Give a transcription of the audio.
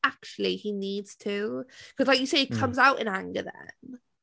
Actually he needs to 'cause like you say, it comes out in anger then.